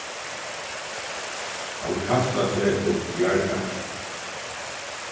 hann kastar seg og bjargar